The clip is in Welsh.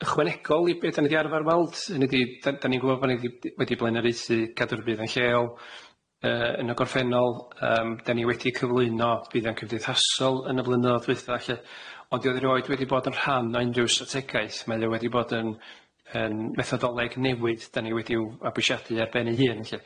ychwanegol i be' 'dan ni 'di arfar weld hynny 'di 'dan 'dan ni'n gwbo' bo ni 'di wedi blaenaraethu cadw'r buddion lleol yy yn y gorffennol yym 'dan ni wedi cyflwyno buddion cymdeithasol yn y flynyddodd dwytha lly ond 'di o rioed wedi bod yn rhan o unryw strategaeth mae o wedi bod yn yn methodoleg newydd 'dan ni wedi'w fabwysiadu ar ben ei hun lly.